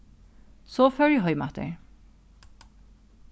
so fór eg heim aftur